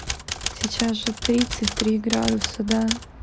сейчас же тридцать три градуса да